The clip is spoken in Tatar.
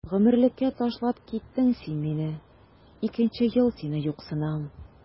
Гомерлеккә ташлап киттең мине, икенче ел сине юксынам.